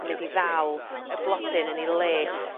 yn mynd i ddal y blodyn yn 'i le.